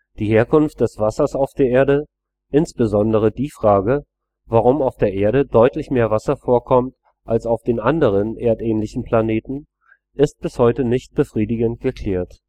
Die Herkunft des Wassers auf der Erde, insbesondere die Frage, warum auf der Erde deutlich mehr Wasser vorkommt als auf den anderen erdähnlichen Planeten, ist bis heute nicht befriedigend geklärt